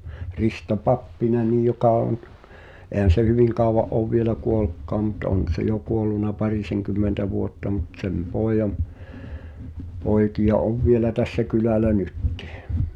Risto Pappinen joka on eihän se hyvin kauan ole vielä kuollutkaan mutta on se jo kuollut parisenkymmentä vuotta mutta sen pojan poikia on vielä tässä kylällä nytkin